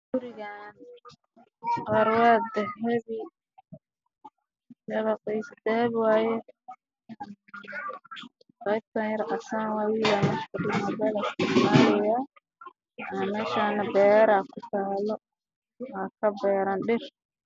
Waa meel maqaayad waxaa ii muuqdo darbi kuraas iyo miisaas midabkoodu yahay jaalo